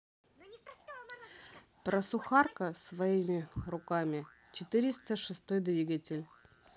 про сухарка своими руками четыреста шестой двигатель